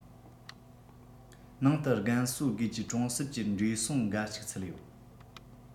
ནང དུ རྒན གསོ དགོས ཀྱི གྲོང གསེབ ཀྱི བགྲེས སོང འགའ ཞིག ཚུད ཡོད